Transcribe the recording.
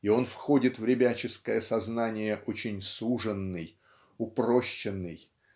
и он входит в ребяческое сознание очень суженный упрощенный